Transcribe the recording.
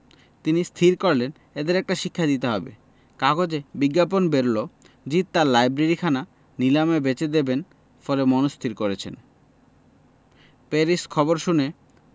তিনি স্থির করলেন এদের একটা শিক্ষা দিতে হবে কাগজে বিজ্ঞাপন বেরল জিদ তাঁর লাইব্রেরিখানা নিলামে বেচে দেবেন বলে মনস্থির করেছেন প্যারিস খবর শুনে